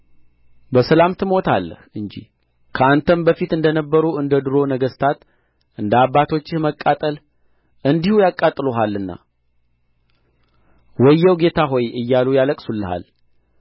በሰላም ትሞታለህ እንጂ ከአንተ በፊት እንደ ነበሩ እንደ ዱሮ ነገሥታት እንደ አባቶችህ መቃጠል እንዲሁ ያቃጥሉሃልና ወየው ጌታ ሆይ እያሉ ያለቅሱልሃል